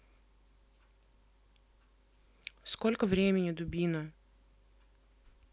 сколько времени дубина